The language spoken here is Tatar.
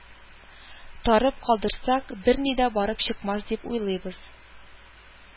Тарып калдырсак, берни дә барып чыкмас дип уйлыйбыз